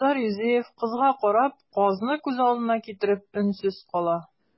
Илдар Юзеев, кызга карап, казны күз алдына китереп, өнсез кала.